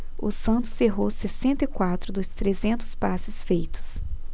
o santos errou sessenta e quatro dos trezentos passes feitos